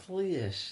Glust?